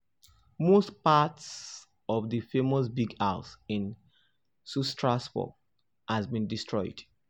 Most parts of the famous big house in Sutrapur has been destroyed.